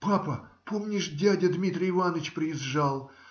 - Папа, помнишь, дядя Дмитрий Иваныч приезжал?